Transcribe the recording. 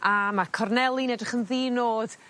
a ma' corneli'n edrych yn ddi nod